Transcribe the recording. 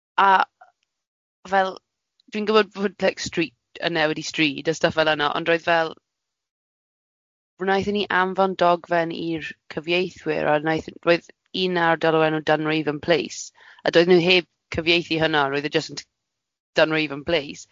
A fel dwi'n gwybod fod like street yn newid i stryd a stwff fel yna, ond roedd fel, wnaethon ni anfon dogfen i'r cyfieithwyr a wnaeth roedd un ar dylw enw Dunraven Place a doedden nhw heb cyfieithu hwnna roedd e jyst yn d- Dunraven Place.